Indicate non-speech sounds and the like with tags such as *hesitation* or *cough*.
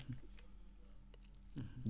*hesitation* *hesitation*